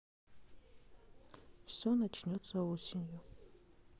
все начнется осенью